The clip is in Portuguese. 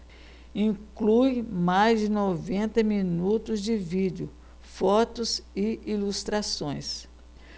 inclui mais de noventa minutos de vídeo fotos e ilustrações